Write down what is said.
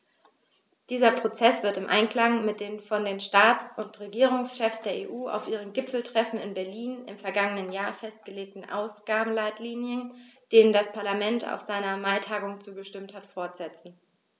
Dieser Prozess wird im Einklang mit den von den Staats- und Regierungschefs der EU auf ihrem Gipfeltreffen in Berlin im vergangenen Jahr festgelegten Ausgabenleitlinien, denen das Parlament auf seiner Maitagung zugestimmt hat, fortgesetzt.